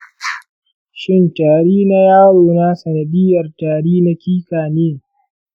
shin tari na yarona sanadiyyar tari na ƙiƙa ne?